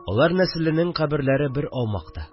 Алар нәселенең каберләре бер аумакта